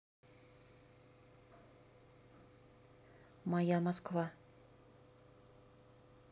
моя москва